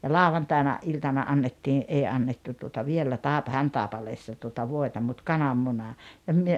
ja lauantaina iltana annettiin ei annettu tuota vielä - Hantaipaleessa tuota voita mutta kananmuna ja me